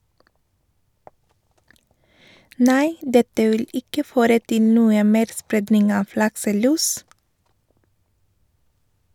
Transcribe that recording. Nei, dette vil ikke føre til noe mer spredning av lakselus